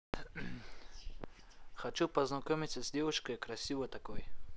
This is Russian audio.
хочу познакомиться с девушкой красивой такой